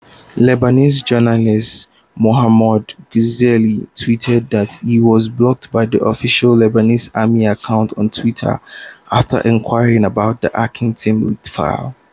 Lebanese journalist Mahmoud Ghazayel tweeted that he was blocked by the official Lebanese Army account on Twitter after inquiring about the Hacking Team leaked files.